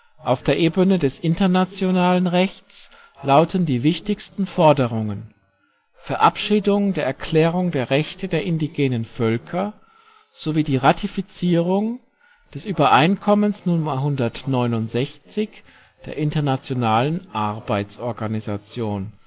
Auf der Ebene des internationalen Rechts lauten die wichtigsten Forderungen: Verabschiedung der Erklärung der Rechte der Indigenen Völker sowie die Ratifierung des Übereinkommens Nr. 169 der Internationalen Arbeitsorganisation